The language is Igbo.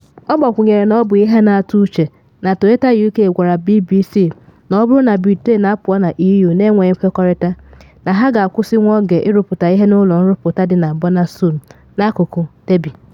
Ọ gbakwunyere na ọ bụ ihe “na-atụ uche” na Toyota UK gwara BBC na ọ bụrụ na Britain apụọ na EU na-enweghị nkwekọrịta, na ha ga-akwụsị nwa oge ịrụpụta ihe n’ụlọ nrụpụta dị na Burnaston, n’akụkụ Derby.